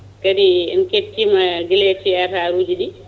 kadi en kettima guila e théâtre ajuɗiɗi